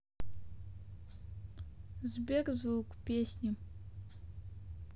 сбер звук песни